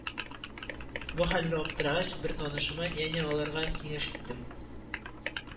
Бу хәлгә аптырагач, бер танышыма няня алырга киңәш иттем